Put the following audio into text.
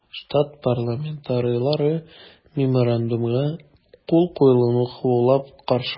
Штат парламентарийлары Меморандумга кул куелуны хуплап каршы алды.